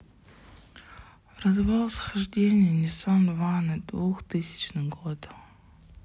развал схождение ниссан ванет двухтысячный год